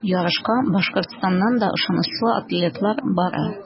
Ярышка Башкортстаннан да ышанычлы атлетлар бара.